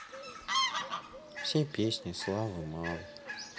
все песни славы мало